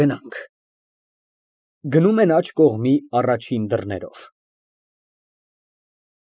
Գնանք։ (Գնում են աջ կողմի առաջին դռներով)։